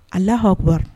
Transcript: A la hawa